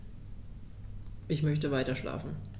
Ich möchte weiterschlafen.